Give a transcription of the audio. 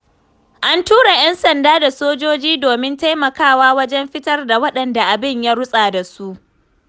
An tura 'yan sanda da sojoji domin taimakawa wajen fitar da waɗanda abin ya rutsa da su.